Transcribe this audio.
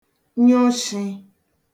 nyụ shị̄